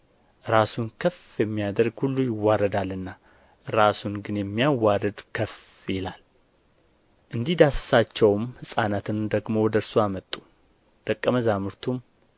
ራሱን ግን የሚያዋርድ ከፍ ይላል እንዲዳስሳቸውም ሕፃናትን ደግሞ ወደ እርሱ አመጡ ደቀ መዛሙርቱም